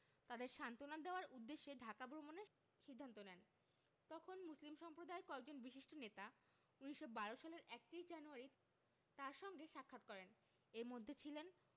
তাদের সান্ত্বনা দেওয়ার উদ্দেশ্যে ঢাকা ভ্রমণের সিদ্ধান্ত নেন তখন মুসলিম সম্প্রদায়ের কয়েকজন বিশিষ্ট নেতা ১৯১২ সালের ৩১ জানুয়ারি তাঁর সঙ্গে সাক্ষাৎ করেন এর মধ্যে ছিলেন